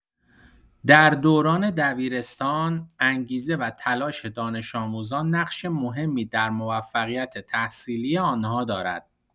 در دوران دبیرستان، انگیزه و تلاش دانش‌آموزان نقش مهمی در موفقیت تحصیلی آن‌ها دارد.